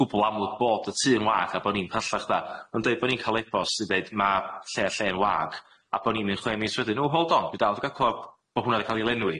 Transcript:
gwbwl amlwg bod y tŷ'n wag, a bo' ni'm callach 'da. Ond deud bo' ni'n ca'l ebost sy'n deud ma' lle a lle yn wag, a bo' ni'n mynd chwe mis wedyn, Oh hold on, dwi dal 'im 'di ca'l clwad bo' hwnne 'di ca'l 'i lenwi,